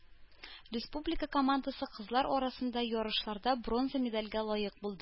Республика командасы кызлар арасында ярышларда бронза медальгә лаек булды.